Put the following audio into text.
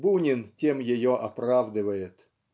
Бунин тем ее оправдывает.